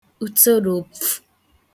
utoròofū